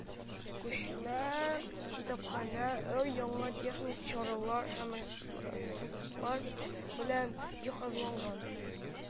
Күчмә китапханә өр-яңа техник чаралар һәм ресурслар белән җиһазланган